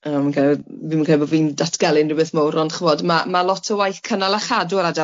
fi'm yn credu bo fi'n datgelu unrhyw beth mowr ond chi'bod ma' ma' lot o waith cynnal a chadw yr adeilade yndos e?